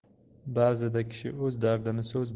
ba'zida kishi o'z dardini so'z